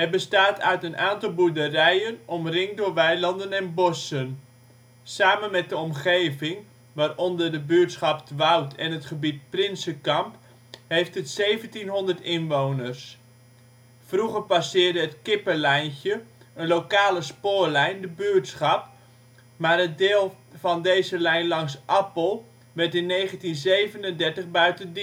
bestaat uit een aantal boerderijen omringd door weilanden en bossen. Samen met de omgeving, waaronder de buurtschap ' t Woud en het gebied Prinsenkamp, heeft het 1700 inwoners (2004). Vroeger passeerde het Kippenlijntje (een lokale spoorlijn) de buurtschap, maar het deel van deze lijn langs Appel werd in 1937 buiten